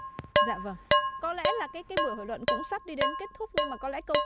dạ vầng có lẽ là cái cái buổi hội luận cũng sắp đi đến kết thúc nhưng mà có lẽ câu